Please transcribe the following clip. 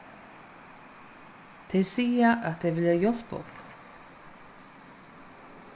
tey siga at tey vilja hjálpa okkum